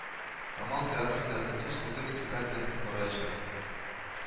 Камал театрында Телсез күке спектаклен караячак